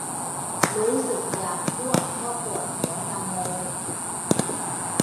รู้สึกอยากอ้วกเพราะปวดหัวจังเลย